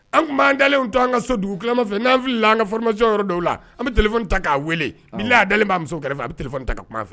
An tun b'an dalen to an ka so dugu kima fɛ n'an fili an ka fmasi yɔrɔ dɔw la an bɛ tile ta k'a weele na dalen b'a muso kɛrɛfɛ fɛ a bɛ t ta ka kuma fɛ